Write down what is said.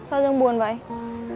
sao dương buồn vậy